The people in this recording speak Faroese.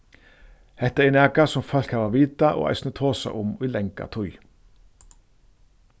hetta er nakað sum fólk hava vitað og eisini tosað um í langa tíð